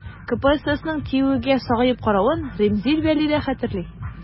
КПССның ТИҮгә сагаеп каравын Римзил Вәли дә хәтерли.